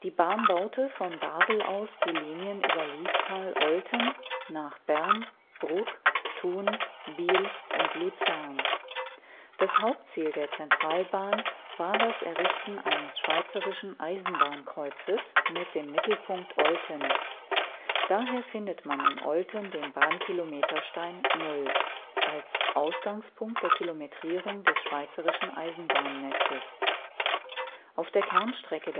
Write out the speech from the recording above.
Bahn baute von Basel aus die Linien über Liestal - Olten nach Bern, Brugg, Thun, Biel und Luzern. Das Hauptziel der Centralbahn war das Errichten eines schweizerischen Eisenbahnkreuzes mit dem Mittelpunkt Olten. Daher findet man in Olten den Bahnkilometerstein 0, als Ausgangspunkt der Kilometrierung des schweizerischen Eisenbahnnetzes. Auf der Kernstrecke